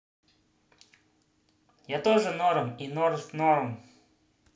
я тоже норм и north норм